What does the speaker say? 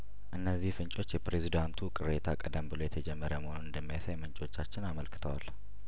እነዚህ ፍንጮች የፕሬዝዳንቱ ቅሬታ ቀደም ብሎ የተጀመረ መሆኑን እንደሚያሳይ ምንጮቻችን አመልክተዋል